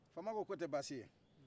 fama ko k'o tɛ baasi ye